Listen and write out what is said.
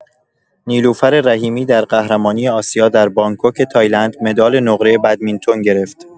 نیلوفر رحیمی در قهرمانی آسیا در بانکوک تایلند مدال نقره بدمینتون گرفت.